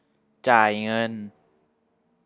จ่ายเงิน